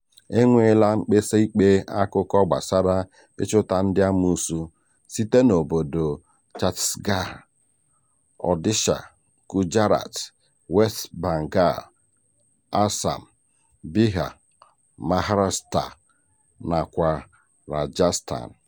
E nweela mkpesa ikpe akụkọ gbasara ịchụnta ndị amoosu site n'obodo Chattisgarh, Odisha, Gujarat, West Bengal Assam, Bihar, Maharashtra nakwa Rajasthan.